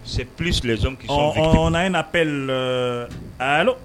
c'et plus les hommes qui sont victimes de , On a un appel, Allo?